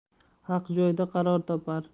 haq joyda qaror topar